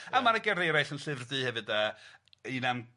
A ma' 'na gerddi eraill yn Llyfr Du hefyd 'de un am